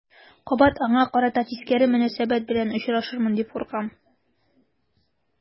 Кабат аңа карата тискәре мөнәсәбәт белән очрашырмын дип куркам.